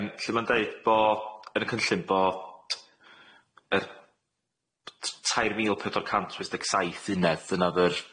Yym lle ma'n deud bo, yn y cynllun bod yr t- tair mil pedwar cant wyth deg saith uned, dyna o'dd yr